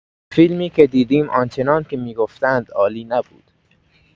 فیلمی که دیدیم آنچنان که می‌گفتند عالی نبود.